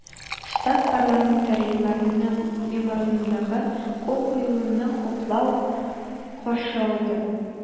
Штат парламентарийлары Меморандумга кул куелуны хуплап каршы алды.